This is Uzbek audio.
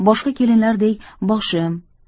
boshqa kelinlardek boshim